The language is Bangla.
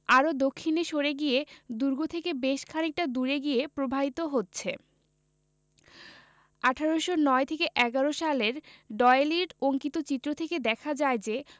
আরও দক্ষিণে সরে গিয়ে দুর্গ থেকে বেশ খানিকটা দূরে গিয়ে প্রবাহিত হচ্ছে ১৮০৯ থেকে ১১ সালের ডয়েলীর অঙ্কিত চিত্র থেকে দেখা যায় যে